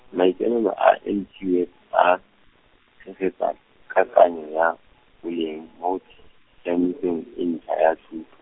maikaelelo a N Q F a, tshegetsa, kakanyo ya, boleng mo, tsamaisong e ntšha ya thuto.